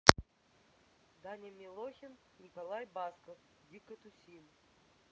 даня милохин николай басков дико тусим